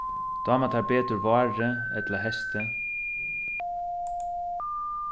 dámar tær betur várið ella heystið